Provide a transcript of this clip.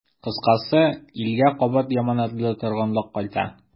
Кыскасы, илгә кабат яманатлы торгынлык кайта.